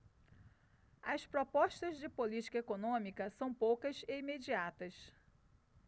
as propostas de política econômica são poucas e imediatas